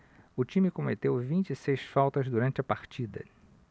o time cometeu vinte e seis faltas durante a partida